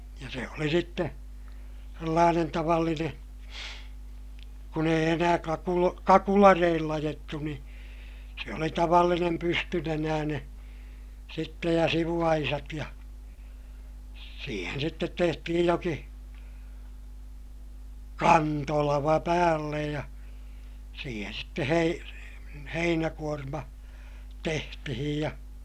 ja se oli sitten sellainen tavallinen kun ei enää - kakulareillä ajettu niin se oli tavallinen pystynenäinen sitten ja sivuaisat ja siihen sitten tehtiin jokin kantolava päälle ja siihen sitten - heinäkuorma tehtiin ja